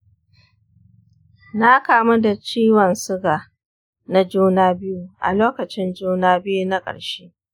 na kamu da ciwon suga na juna-biyu a lokacin juna-biyu na ƙarshe.